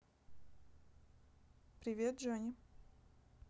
привет джонни